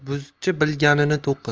bo'zchi bilganin to'qir